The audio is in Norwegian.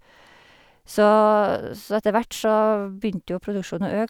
så Så etter hvert så begynte jo produksjonen å øke.